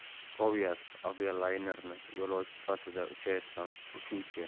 govyaz avialaynerni yo'lovchi sifatida uchayotgan uchuvchi